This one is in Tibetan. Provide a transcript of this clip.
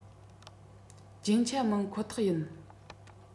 རྒྱན ཆ མིན ཁོ ཐག ཡིན